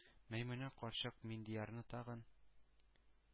Мәймүнә карчык Миндиярны тагын